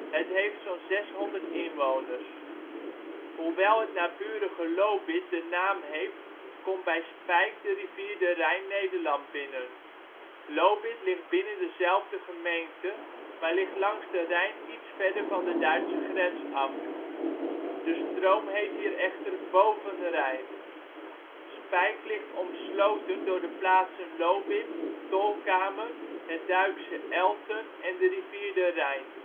Het heeft zo 'n 600 inwoners. Hoewel het naburige Lobith de naam heeft, komt bij Spijk de rivier de Rijn Nederland binnen. Lobith ligt binnen dezelfde gemeente, maar ligt langs de Rijn iets verder van de Duitse grens af. De stroom heet hier echter Boven-Rijn. Und so weiter, object om de plaats te markeren waar de Rijn Nederland binnenkomt Spijk ligt omsloten door de plaatsen Lobith, Tolkamer, het Duitse Elten en de river de Rijn